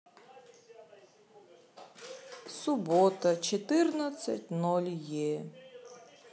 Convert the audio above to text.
суббота четырнадцать ноль е